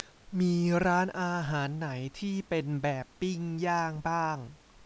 มีร้านอาหารไหนที่เป็นแบบปิ้งย่างบ้าง